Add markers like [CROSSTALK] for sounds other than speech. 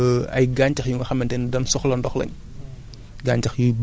ñoom [HESITATION] ay gàncax yu nga xamante ne dañ soxla ndox lañ